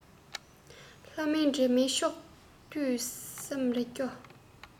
ལྷ མིན འདྲེ མིན ཆགས དུས སེམས རེ སྐྱོ